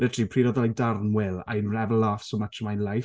Literally, pryd oedd like darn Will, I've never laughed so much in my life.